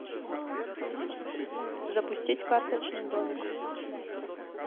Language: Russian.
запустить карточный домик